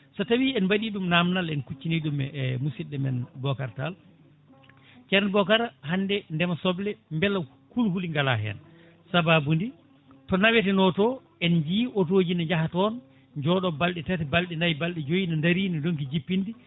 so tawi en mbaɗi ɗum namdal en kuccini ɗum e musidɗo men Bocar Tallceerno Bocara hande ndema soble beele kulhuli gala hen saababude to naweteno to en ji auto ji ne jaaha toon jooɗo balɗe tati balɗe nayyi balɗe joyyi ne dari ne donki jippinde